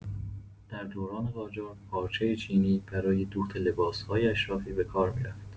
در دوران قاجار، پارچه چینی برای دوخت لباس‌های اشرافی به کار می‌رفت.